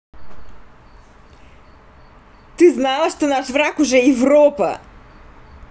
ты знала что наш враг уже европа